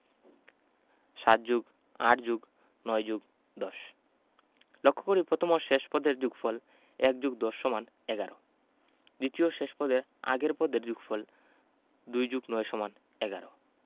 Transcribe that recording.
৭+৮+৯+১০ লক্ষ করি প্রথম ও শেষ পদের যোগফল ১+১০=১১ দ্বিতীয় ও শেষ পদের আগের পদের যোগফল ২+৯=১১